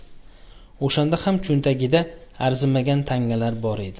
o'shanda ham cho'ntagida arzimagan tangalar bor edi